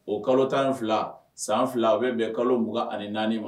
O kalo tan fila san fila u bɛ bɛn kalougan ani naani ma